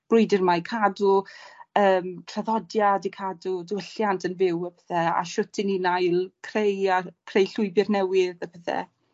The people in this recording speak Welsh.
brwydyr 'ma i cadw yym traddodiad i cadw diwylliant yn fyw a pethe a shwt 'yn ni'n ail creu a creu llwybyr newydd a petha.